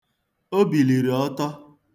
O biliri ọtọ.